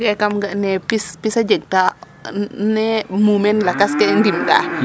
So kaam ga' ne pis a jeg ta ne muumeen lakas ke ɗim ta